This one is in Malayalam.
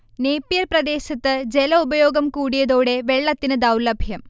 നേപ്പിയർ പ്രദേശത്ത് ജലഉപയോഗം കൂടിയതോടെ വെള്ളത്തിന് ദൗർലഭ്യം